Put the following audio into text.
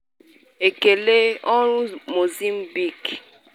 Ekele ọrụ Mozambique!